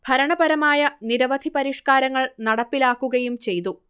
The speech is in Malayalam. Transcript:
ഭരണപരമായ നിരവധി പരിഷ്കാരങ്ങൾ നടപ്പിലാക്കുകയും ചെയ്തു